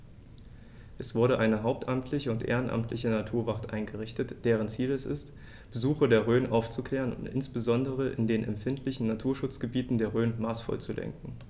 Es wurde eine hauptamtliche und ehrenamtliche Naturwacht eingerichtet, deren Ziel es ist, Besucher der Rhön aufzuklären und insbesondere in den empfindlichen Naturschutzgebieten der Rhön maßvoll zu lenken.